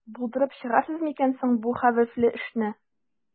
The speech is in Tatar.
Булдырып чыгарсыз микән соң бу хәвефле эшне?